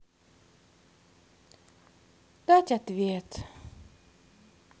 дать ответ